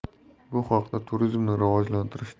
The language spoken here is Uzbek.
bu haqda turizmni rivojlantirish